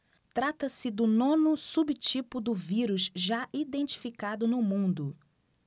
trata-se do nono subtipo do vírus já identificado no mundo